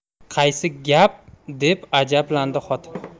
qaysi gap deb ajablandi xotin